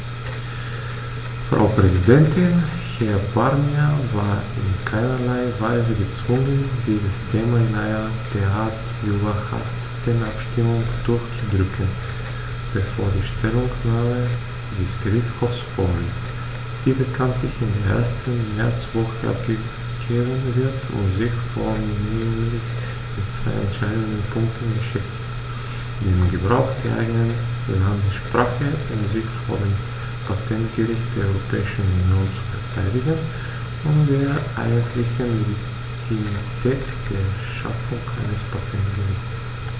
Frau Präsidentin, Herr Barnier war in keinerlei Weise gezwungen, dieses Thema in einer derart überhasteten Abstimmung durchzudrücken, bevor die Stellungnahme des Gerichtshofs vorliegt, die bekanntlich in der ersten Märzwoche abgegeben wird und sich vornehmlich mit zwei entscheidenden Punkten beschäftigt: dem Gebrauch der eigenen Landessprache, um sich vor dem Patentgericht der Europäischen Union zu verteidigen, und der eigentlichen Legitimität der Schaffung eines Patentgerichts.